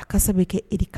A ka sababu kɛ e ka